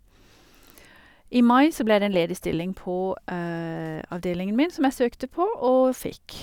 I mai så ble det en ledig stilling på avdelingen min, som jeg søkte på, og fikk.